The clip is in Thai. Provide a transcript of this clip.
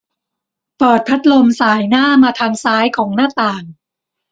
เปิดพัดลมส่ายหน้ามาทางซ้ายของหน้าต่าง